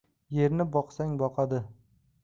yerni boqsang boqadi